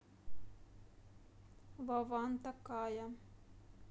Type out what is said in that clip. вован такая